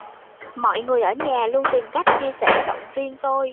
mọi người ở nhà luôn tìm cách chia sẻ động viên tôi